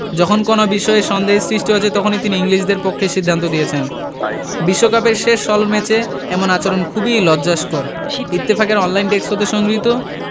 যখন কোনো বিষয়ে সন্দেহের সৃষ্টি হয়েছে তখনই তিনি ইংলিশদের পক্ষে সিদ্ধান্ত দিয়েছেন বিশ্বকাপের শেষ ষোলর ম্যাচে এমন আচরণ খুবই লজ্জাস্কর ইত্তফাকের অনলাইন ডেস্ক হতে সংগৃহীত